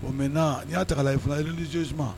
O mɛ n' y'a ta la i fana iliz suma